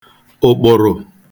ụ̀kpụ̀rụ̀